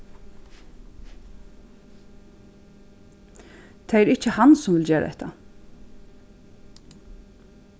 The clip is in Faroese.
tað er ikki hann sum vil gera hatta